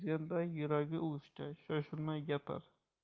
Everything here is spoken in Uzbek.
sezganday yuragi uvushdi shoshilmay gapir